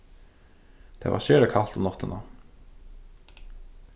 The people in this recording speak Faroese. tað var sera kalt um náttina